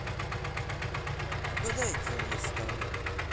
угадайте кем я стану